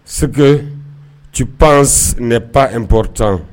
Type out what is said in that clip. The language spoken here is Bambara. Sigi ci pan ne pan n ptan